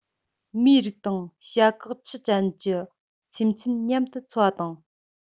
མིའི རིགས དང བྱ གག མཆུ ཅན གྱི སེམས ཅན མཉམ དུ འཚོ བ དང